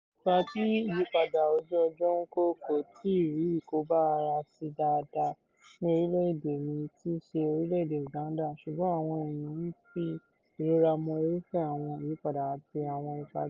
Ipa tí ìyípadà ojú ọjọ́ ń kó kò tíì rí ìkọbi-ara-sí daada ní orílẹ̀-èdè mi tí í ṣe orílẹ̀-èdè Uganda ṣùgbọ́n àwọn èèyàn ń fi ìrora mọ irúfẹ́ àwọn ìyípadà àti àwọn ipa bẹ́ẹ̀.